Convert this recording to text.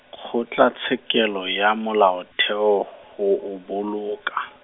Kgotlatshekelo ya Molaotheo go o boloka.